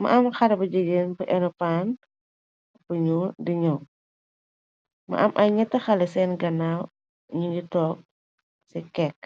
ma am xare bu jigeen bu eno paan bu ñul di ñow, ma am ay ñett xale seen gannaaw, ñu ngi toog ci kekk.